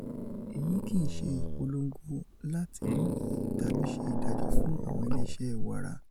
Eyi kiiṣe ipolongo lati morinyin tabi ṣe idajọ fun awọn ile iṣẹ wara.”